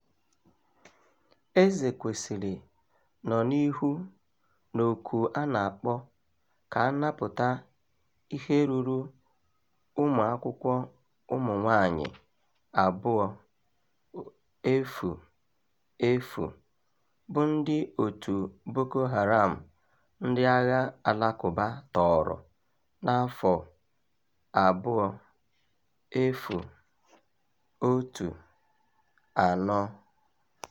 Ezekwesili nọ n'ihu n'oku a na-akpọ ka a napụta ihe ruru ụmụ akwụkwọ ụmụ nwaanyị 200 bụ ndị òtù Boko Haram ndị agha alakụba tọọrọ n'afọ 2014.